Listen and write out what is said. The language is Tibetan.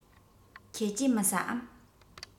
ཁྱེད ཀྱིས མི ཟ འམ